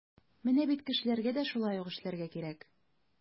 Менә бит кешеләргә дә шулай ук эшләргә кирәк.